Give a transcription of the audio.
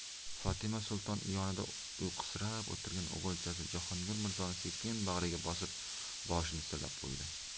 fotima sulton yonida uyqusirab o'tirgan o'g'ilchasi jahongir mirzoni sekin bag'riga bosib boshini silab qo'ydi